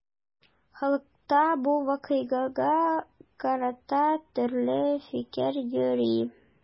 Халыкта бу вакыйгага карата төрле фикер йөри.